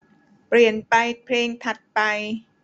เปลี่ยนไปเพลงถัดไป